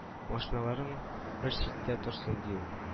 Машиналарың бер читтә торсын, - ди ул